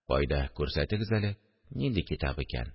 – кайда, күрсәтегез әле, нинди китап икән